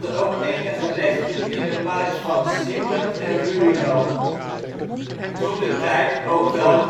ook enige rechten in de mark van Zieuwent en Ruurlo, toentertijd ook wel